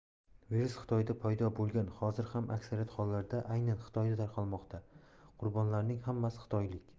virus xitoyda paydo bo'lgan hozir ham aksariyat hollarda aynan xitoyda tarqalmoqda qurbonlarning hammasi xitoylik